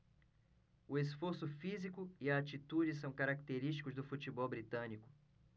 o esforço físico e a atitude são característicos do futebol britânico